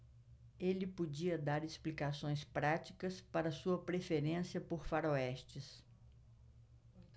ele podia dar explicações práticas para sua preferência por faroestes